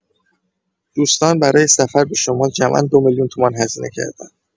دوستان برای سفر به شمال جمعا دو میلیون تومان هزینه کردند.